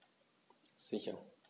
Sicher.